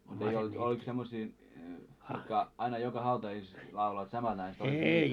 mutta ei ollut olikos semmoisia jotka aina joka hautajaisissa lauloivat samat naiset olikos niitä